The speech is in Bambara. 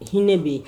Hinɛ bɛ yen.